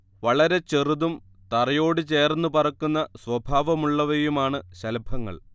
വളരെ ചെറുതും തറയോടു ചേർന്ന് പറക്കുന്ന സ്വഭാവമുള്ളവയുമാണ് ശലഭങ്ങൾ